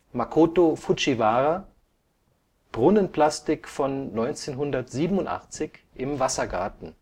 Makoto Fujiwara: Brunnenplastik von 1987 im Wassergarten